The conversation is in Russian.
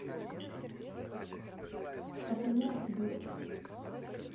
пошла ты нахуй дурочка